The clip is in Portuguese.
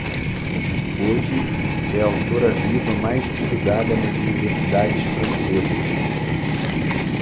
hoje é a autora viva mais estudada nas universidades francesas